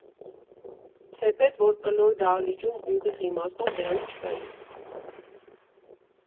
Թեպետ, որ կլոր դահլիճում ուղիղ իմաստով դրանք չկային։